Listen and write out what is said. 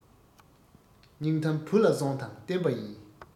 སྙིང གཏམ བུ ལ གསོང དང བརྟན པ ཡིན